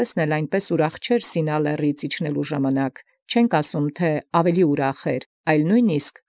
Եւ ոչ այնպէս մեծն Մովսէս զուարճանայր յէջս Սինէական լերինն. չասեմք թէ առաւելաւքն՝ պակասագոյն։